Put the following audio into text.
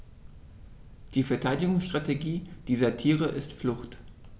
Die Verteidigungsstrategie dieser Tiere ist Flucht.